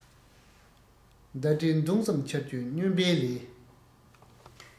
མདའ གྲི མདུང གསུམ འཕྱར རྒྱུ སྨྱོན པའི ལས